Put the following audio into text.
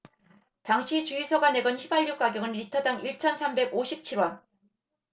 당시 주유소가 내건 휘발유 가격은 리터당 일 천 삼백 오십 칠 원